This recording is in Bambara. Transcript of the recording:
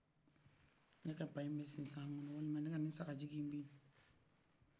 ne ka baɲi bɛ sisan kɔnɔ walima ne ka baɲi bɛyi